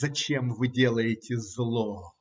Зачем вы делаете зло?